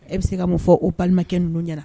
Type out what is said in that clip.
E bɛ se ka mun fɔ o balimakɛ n ninnu ɲɛna